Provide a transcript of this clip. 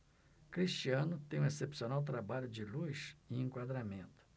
cristiano tem um excepcional trabalho de luz e enquadramento